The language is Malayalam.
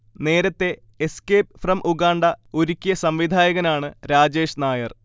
നേരത്തെ 'എസ്കേപ്പ് ഫ്രം ഉഗാണ്ട' ഒരുക്കിയ സംവിധായകനാണ് രാജേഷ്നായർ